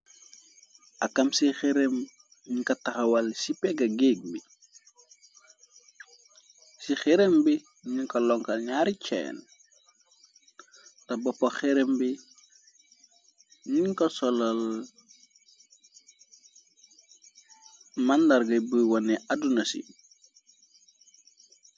Akam c xerem ñunka taxawal ci pega géeg bi ci xerem bi ñi ko lonkal ñaari ceen te boppa xerem bi ni ko solal màndarga buy wone adduna si.